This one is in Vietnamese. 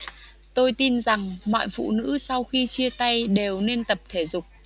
tôi tin rằng mọi phụ nữ sau khi chia tay đều nên tập thể dục